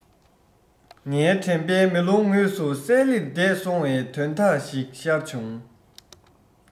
ངའི དྲན པའི མེ ལོང ངོས སུ གསལ ལེར འདས སོང པའི དོན དག ཞིག ཤར བྱུང